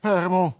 pear wi m'wl.